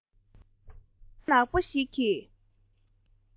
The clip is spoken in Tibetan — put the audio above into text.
ཁྱིམ གྱི རྒན མོས ཕོར པ ནག པོ ཞིག གི